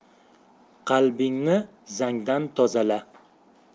qalbingni zangdan tozala